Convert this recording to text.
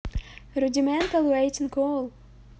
rudimental waiting all